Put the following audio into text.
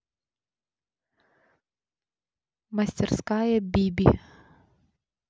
мастерская биби